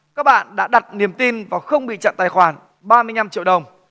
các bạn đã đặt niềm tin vào không bị chặn tài khoản ba mươi nhăm triệu đồng